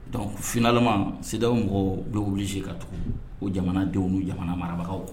Dɔnkucfinlamama siw mɔgɔ do wuli se ka tugu o jamanadenw ni jamana marabagawkaw kɔ